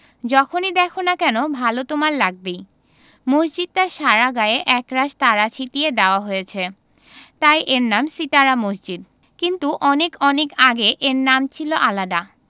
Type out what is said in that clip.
যখনি দ্যাখো না কেন ভালো তোমার লাগবেই মসজিদটার সারা গায়ে একরাশ তারা ছিটিয়ে দেয়া হয়েছে তাই এর নাম সিতারা মসজিদ কিন্তু অনেক অনেক আগে এর নাম ছিল আলাদা